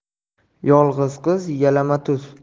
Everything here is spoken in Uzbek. yolg'iz qiz yalama tuz